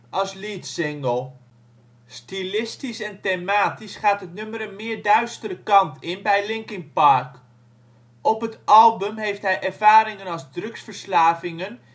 als leadsingle. Stilistisch en thematisch gaat het nummer een meer duistere kant bij Linkin Park. Op het album heeft hij ervaringen als drugsverslavingen